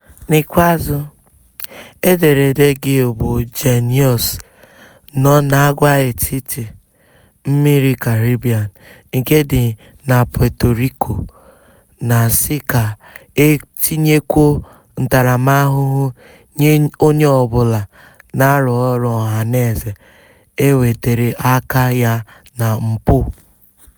N'ikpeazụ, ederede Gil bụ Jenius nọ n'àgwàetiti mmiri Caribbean nke dị na Puerto Rico na-asị ka e tinyekwo ntaramahụhụ nye onye ọbụla na-arụ ọrụ ọhaneze e nwetere aka ya na mpụ.